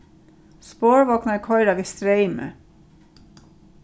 sporvognar koyra við streymi